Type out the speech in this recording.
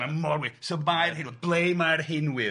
ma' mor wy- so mae'r henw- ble mae'r hen wyr?